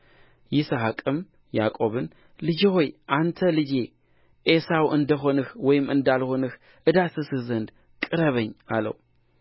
ይስሐቅም ያዕቆብን ልጄ ሆይ አንተ ልጄ ዔሳው እንደ ሆንህ ወይም እንዳልሆንህ እዳስስህ ዘንድ ቅረበኝ አለው